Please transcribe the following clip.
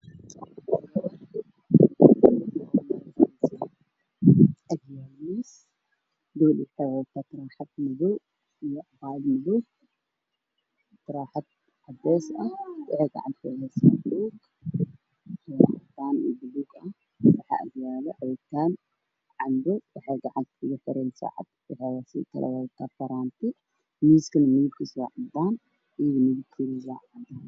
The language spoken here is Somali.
Waxaa ii mooday gabar wadato buug saaka madow iyo qamaar caddaan ah waxaana ag yaalla koob biya ah